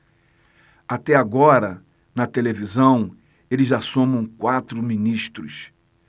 até agora na televisão eles já somam quatro ministros